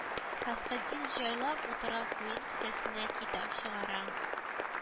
Фәсхетдин җайлап утыра куен кесәсеннә китап чыгара